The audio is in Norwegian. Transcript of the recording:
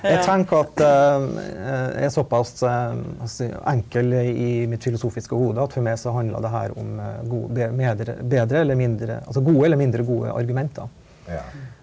jeg tenker at jeg såpass si enkel i mitt filosofiske hode at for meg så handler det her om god bedre eller mindre altså gode eller mindre gode argumenter.